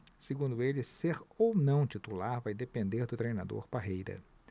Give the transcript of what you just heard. segundo ele ser ou não titular vai depender do treinador parreira